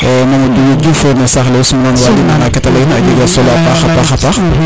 Mamadou Diouf no saax le sunan nana kete leyna a jega solo a paxa paax